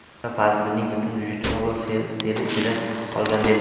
mulla fazliddinning butun vujudi olov seli ichida qolganday bo'ldi